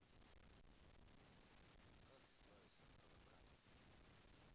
как избавиться от тараканов